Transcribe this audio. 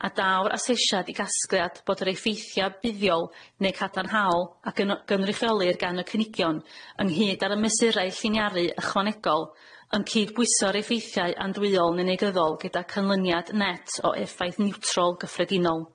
a daw'r asesiad i gasgliad bod yr effeithiad buddiol neu cadarnhaol ac yn o- gynrychiolir gan y cynigion ynghyd ar y mesurau lliniaru ychwanegol yn cydbwyso'r effeithiau andwyol neu negyddol gyda cynlyniad net o effaith niwtrol gyffredinol.